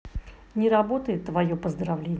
не работает твое поздравление